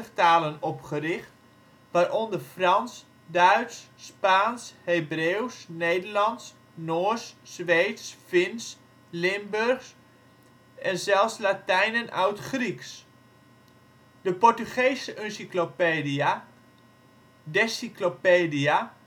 talen opgericht, waaronder Frans, Duits, Spaans, Hebreeuws, Nederlands, Noors, Zweeds, Fins, Limburgs en zelfs Latijn en Oudgrieks. De Portugese Uncyclopedia, Desciclopédia